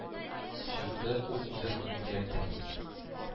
Чыкты ул җыр минем йөрәктән.